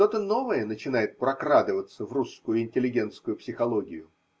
Что-то новое начинает прокрадываться в русскую интеллигентскую психологию.